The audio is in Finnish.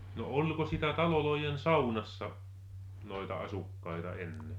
no oliko sitä talojen saunassa noita asukkaita ennen